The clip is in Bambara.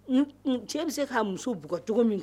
Cɛ bɛ se ka muso bugcogo min